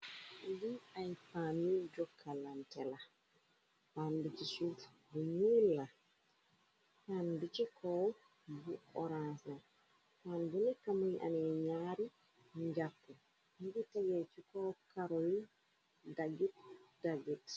Lii ay pan yu jokkalante la, pan bu ci suuf bu ñuul la, pan bu ci kow bu oraans la, pan bu ni tamit muy ame ñaari njàpp, nyingi tegee ci koo karo yi daggit daggit.